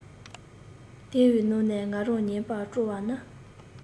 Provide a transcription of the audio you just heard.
དེའི ནང ནས ང རང ཉན པ སྤྲོ བ ནི